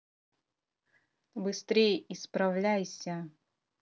быстрее исправляйся